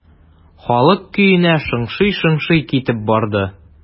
Халык көенә шыңшый-шыңшый китеп барды.